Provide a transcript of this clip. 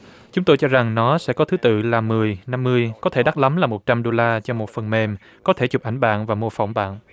chúng tôi cho rằng nó sẽ có thứ tự là mười năm mươi có thể đắt lắm là một trăm đô la cho một phần mềm có thể chụp ảnh bạn và mô phỏng bạn